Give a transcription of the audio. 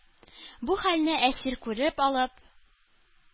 Бу хәлне Әсир күреп алып,